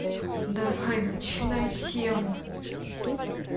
давай начинай тему